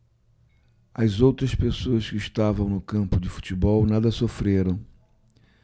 as outras pessoas que estavam no campo de futebol nada sofreram